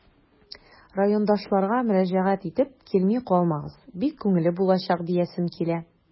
Райондашларга мөрәҗәгать итеп, килми калмагыз, бик күңелле булачак диясем килә.